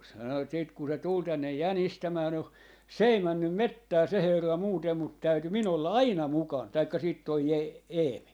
sanoi että sitten kun se tuli tänne jänistämään no se ei mennyt metsään se herra muuten mutta täytyi minun olla aina mukana tai sitten tuo Eemi